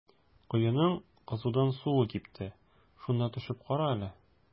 Коеның кызудан суы кипте, шунда төшеп кара әле.